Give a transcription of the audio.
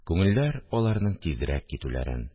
Күңелләр аларның тизрәк китүләрен